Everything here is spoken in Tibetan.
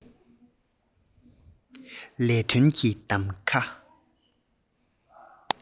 ལས དོན གྱི གདམ ཀ